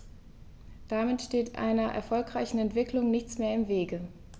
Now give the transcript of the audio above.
Damit steht einer erfolgreichen Entwicklung nichts mehr im Wege.